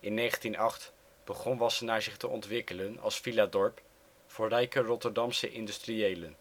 in 1908 begon Wassenaar zich te ontwikkelen als villadorp voor rijke Rotterdamse industriëlen